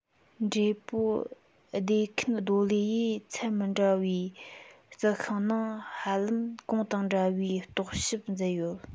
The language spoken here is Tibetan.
བགྲེས པོ སྡེ ཁན རྡོ ལེ ཡིས ཚན མི འདྲ བའི རྩི ཤིང ནང ཧ ལམ གོང དང འདྲ བའི རྟོག ཞིབ མཛད ཡོད